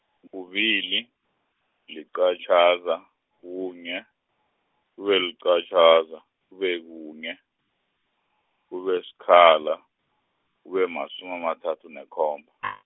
kubili, liqatjhaza, kunye, kube, liqatjhaza, kube kunye, kube sikhala, kube masumi amathathu nekhomba .